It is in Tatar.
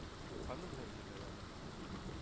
Каным белән җиргә язармын».